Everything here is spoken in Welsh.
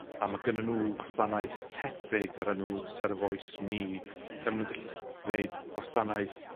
a ma' gynnyn nw wasanaeth tebyg o'r enw CereVoice Me, lle ma' nw'n gallu gwneud gwasanaeth